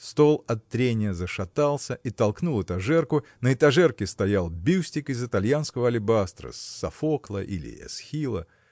Стол от трения зашатался и толкнул этажерку. На этажерке стоял бюстик из итальянского алебастра Софокла или Эсхила.